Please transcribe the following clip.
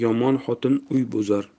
yomon xotin uy buzar